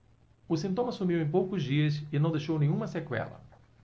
o sintoma sumiu em poucos dias e não deixou nenhuma sequela